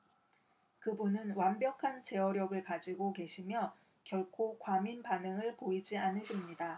그분은 완벽한 제어력을 가지고 계시며 결코 과민 반응을 보이지 않으십니다